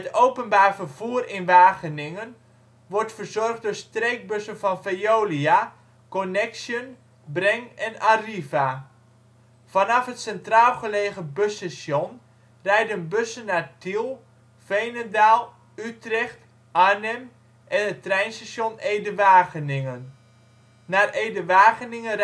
openbaar vervoer in Wageningen wordt verzorgd door streekbussen van Veolia, Connexxion, Breng en Arriva. Vanaf het centraal gelegen busstation rijden bussen naar Tiel, Veenendaal, Utrecht, Arnhem en het treinstation Ede-Wageningen. Naar Ede-Wageningen